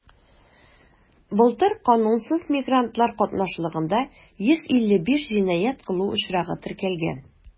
Былтыр канунсыз мигрантлар катнашлыгында 155 җинаять кылу очрагы теркәлгән.